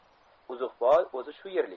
uzuqboy o'zi shu yerlik